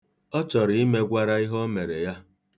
Ọ chọrọ imegwara ihe o mere ya.